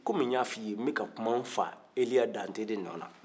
kɔmi n y'a f'i ye n bɛka kuma n fa eliya dante de nɔna